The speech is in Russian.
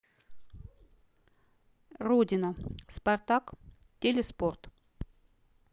родина спартак телеспорт